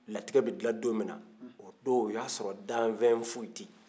latigɛ bɛ dilan don min na o don o y' sɔrɔ dafɛn foyi tɛ yen